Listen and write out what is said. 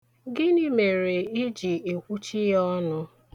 Gịnị mere ị ji ekwuchi ya ọnụ.